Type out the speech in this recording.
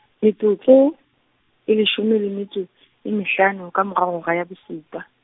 metsotso, e leshome le metso, e mehlano ka mora hora ya bosupa.